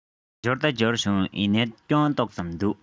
འབྱོར ད འབྱོར བྱུང ཡིན ནའི སྐྱོན ཏོག ཙམ འདུག